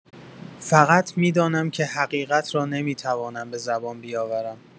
فقط می‌دانم که حقیقت را نمی‌توانم به زبان بیاورم.